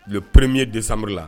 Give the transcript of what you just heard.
Le premier décembre la